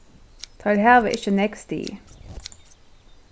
teir hava ikki nógv stig